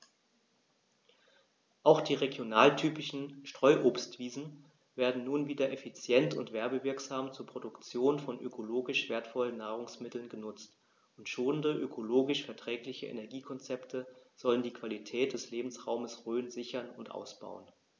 Auch die regionaltypischen Streuobstwiesen werden nun wieder effizient und werbewirksam zur Produktion von ökologisch wertvollen Nahrungsmitteln genutzt, und schonende, ökologisch verträgliche Energiekonzepte sollen die Qualität des Lebensraumes Rhön sichern und ausbauen.